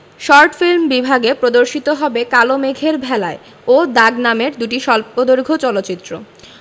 short film বিভাগে প্রদর্শিত হবে কালো মেঘের ভেলায় ও দাগ নামের দুটি স্বল্পদৈর্ঘ চলচ্চিত্র